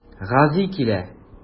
Гази килә.